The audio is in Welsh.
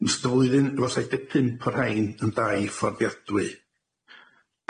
'N ystod y flwy'yn efo saith de pump o'r rhein yn dai fforddiadwy.